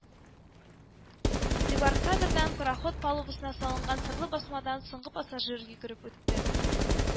Дебаркадердан пароход палубасына салынган сырлы басмадан соңгы пассажир йөгереп үтте